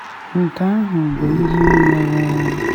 Nke ahụ bụ ihe mere.